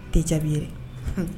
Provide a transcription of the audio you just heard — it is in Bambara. Tɛ jaabi yɛrɛ